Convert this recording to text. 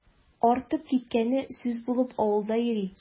Артып киткәне сүз булып авылда йөри.